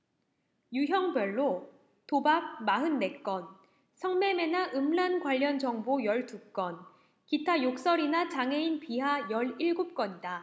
유형별로 도박 마흔 네 건 성매매나 음란 관련 정보 열 두 건 기타 욕설이나 장애인 비하 열 일곱 건이다